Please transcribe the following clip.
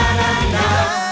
ngần